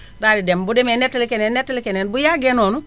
daal di dem bu demee nettali keneen nettali keneen bu yàggee noonu